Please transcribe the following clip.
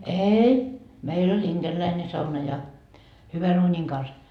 ei meillä oli inkeriläinen sauna ja hyvän uunin kanssa